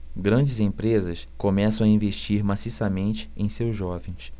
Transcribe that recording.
grandes empresas começam a investir maciçamente em seus jovens